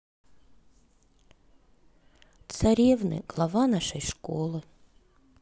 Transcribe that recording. царевны глава нашей школы